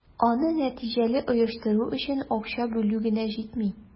Аны нәтиҗәле оештыру өчен акча бүлү генә җитми.